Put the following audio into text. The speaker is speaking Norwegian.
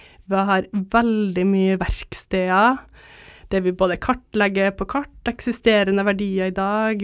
vi har veldig mye verksteder der vi både kartlegger på kart eksisterende verdier i dag.